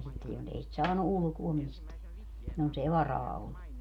ja sitten jos ei sitä saanut ulkoa mistään jos ei varaa ollut